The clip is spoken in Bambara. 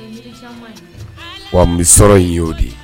Wa n bɛ sɔrɔ in y'o de ye